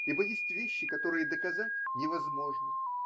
Ибо есть вещи, которые доказать невозможно.